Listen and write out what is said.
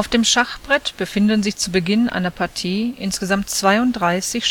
dem Schachbrett befinden sich zu Beginn einer Partie insgesamt 32